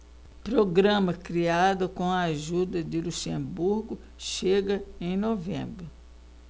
programa criado com a ajuda de luxemburgo chega em novembro